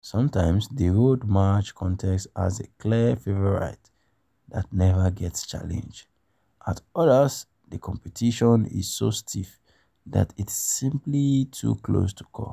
Sometimes, the Road March contest has a clear favourite that never gets challenged; at others, the competition is so stiff that it's simply too close to call.